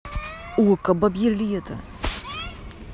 okko бабье лето